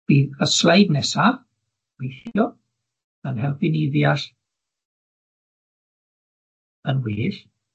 Bydd y sleid nesa gobeithio yn helpu ni ddeall yn well